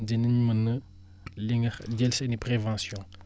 dinañ mën a li nga jël seen i prévension